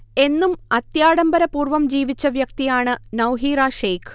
എന്നും അത്യാഢംബര പൂർവ്വം ജീവിച്ച വ്യക്തിയാണ് നൗഹീര ഷേയ്ഖ്